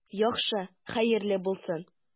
Яхшы, хәерле булсын.